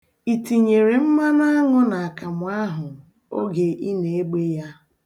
I tinyere mmanụ aṅụ n'akamụ ahụ oge ị na-egbe ya?